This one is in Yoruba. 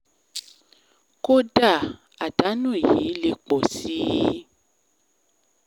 Kódà, àdánù yí lè pọ̀ si.”